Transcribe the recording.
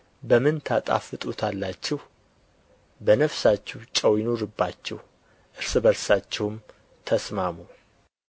በምን ታጣፍጡታላችሁ በነፍሳችሁ ጨው ይኑርባችሁ እርስ በርሳችሁም ተስማሙ